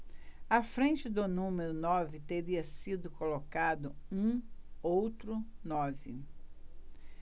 à frente do número nove teria sido colocado um outro nove